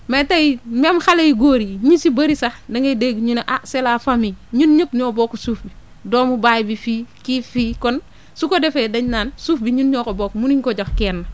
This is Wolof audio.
mais tey même xale yu góor yi ñu si bëri sax dangay dégg énu ne ah c' est la famille ñun ñëpp ñoo bokk suuf bi doomu baay bi fii kii fii kon su ko defee dañu naan suuf bi ñun ñoo ko bokk munuñu ko jox kenn